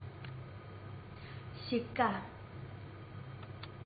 དཔྱིད ཀ